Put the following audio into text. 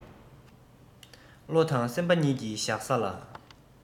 བློ དང སེམས པ གཉིས ཀྱི བཞག ས ལ